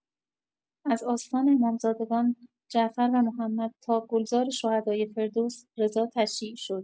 از آستان امامزادگان جعفر و محمد تا گلزار شهدای فردوس رضا تشییع شد.